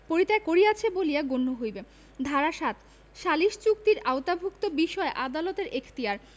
পরিত্যাগ করিয়াছে বলিয়া গণ্য হইবে ধারা ৭ সালিস চুক্তির আওতাভুক্ত বিষয়ে আদালতের এখতিয়ারঃ